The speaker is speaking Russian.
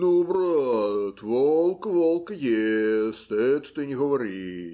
- Ну, брат, волк волка ест, это ты не говори.